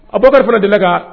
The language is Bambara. Abubakar fana delila ka